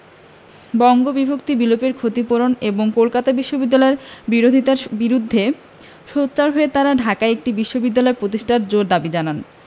বঙ্গবিভক্তি বিলোপের ক্ষতিপূরণ এবং কলকাতা বিশ্ববিদ্যালয়ের বিরোধিতার বিরুদ্ধে সোচ্চার হয়ে তারা ঢাকায় একটি বিশ্ববিদ্যালয় প্রতিষ্ঠার জোর দাবি জানান